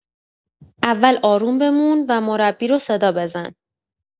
اول آروم بمون و مربی رو صدا بزن.